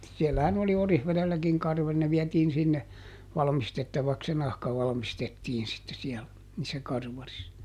siellähän oli Orivedelläkin karvari ne vietiin sinne valmistettavaksi se nahka valmistettiin sitten siellä niissä karvareissa